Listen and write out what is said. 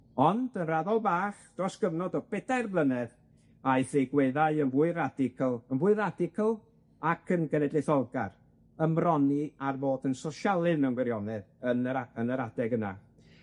Ond, yn raddol bach, dros gyfnod o bedair blynedd, aeth ei 'gweddau yn fwy radical, yn fwy radical ac yn genedlaetholgar, ymroni ar fod yn sosialydd mewn wirionedd yn yr a- yn yr adeg yna.